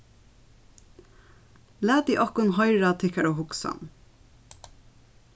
latið okkum hoyra tykkara hugsan